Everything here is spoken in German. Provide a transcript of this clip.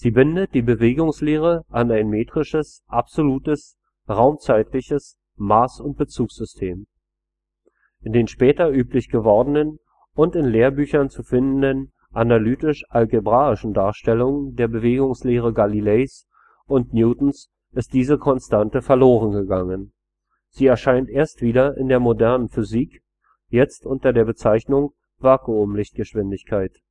bindet die Bewegungslehre an ein metrisches absolutes raumzeitliches Maß - und Bezugssystem. In den später üblich gewordenen und in Lehrbüchern zu findenden analytisch-algebraischen Darstellungen der Bewegungslehre Galileis und Newtons ist diese Konstante verloren gegangen; sie erscheint erst wieder in der modernen Physik – jetzt unter der Bezeichnung „ Vakuumlichtgeschwindigkeit